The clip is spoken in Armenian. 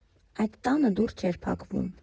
Այդ տան դուռը չէր փակվում։